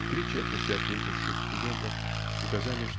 Три четверти ответивших студентов указали